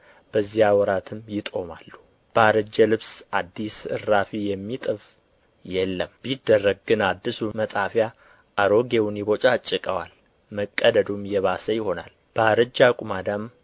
በዚያ ወራትም ይጦማሉ በአረጀ ልብስ አዲስ እራፊ የሚጥፍ የለም ቢደረግ ግን አዲሱ መጣፊያ አሮጌውን ይቦጭቀዋል መቀደዱም የባሰ ይሆናል በአረጀ አቁማዳም